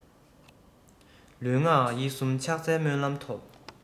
ལུས ངག ཡིད གསུམ ཕྱག འཚལ སྨོན ལམ ཐོབ